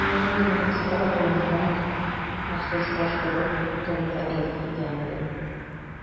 Мин инде муниципаль районнарны махсуслаштыру турында әйтеп киткән идем.